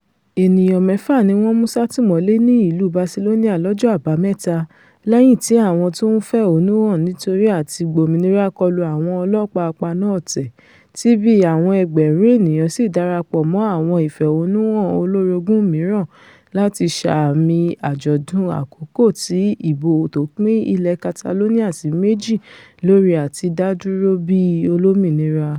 ènìyàn mẹ́fà ni wọ́n mú sátìmọ́lé ní ìlú Barcelona lọ́jọ́ Àbámẹ́ta lẹ́yìn tí àwọn tó ńfẹ̀hónúhàn nítorí àti-gbòmìnira kọlú àwọn ọlọ́ọ̀pá apaná-ọ̀tẹ̀, tí bíi àwọn ẹgbẹ̀rún ènìyàn sì darapọ̀ mọ awọn ìfẹ̀hónúhàn olórogún mìíràn láti ṣààmi àjọ̀dún àkọ́kọ́ ti ìbò tópín ilẹ̀ Catalonia sì méjì lórí àti dá dúró bíi olómìnira.